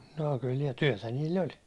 no kyllä - työtä niillä oli